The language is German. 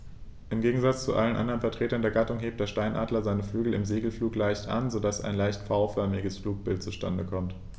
Im Gegensatz zu allen anderen Vertretern der Gattung hebt der Steinadler seine Flügel im Segelflug leicht an, so dass ein leicht V-förmiges Flugbild zustande kommt.